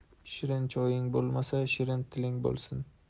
shirin choying bo'lmasa shirin tiling bo'lsin